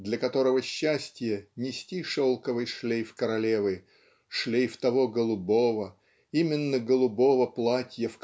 для которого счастье -- нести шелковый шлейф королевы шлейф того голубого именно голубого платья